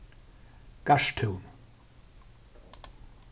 garðstún